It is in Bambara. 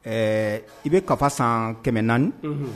Ɛɛ i bɛ kafa san 2000